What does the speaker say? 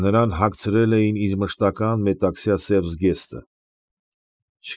Նրան հագցրել էին իր մշտական մետաքսյա սև զգեստը։